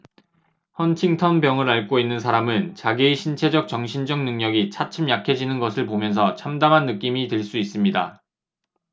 헌팅턴병을 앓고 있는 사람은 자기의 신체적 정신적 능력이 차츰 약해지는 것을 보면서 참담한 느낌이 들 수 있습니다